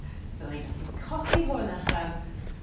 bydda i'n gallu codi hwn allan